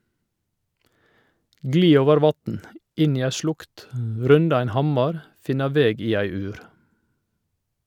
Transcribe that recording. Gli over vatn, inn i ei slukt, runda ein hammar, finna veg i ei ur.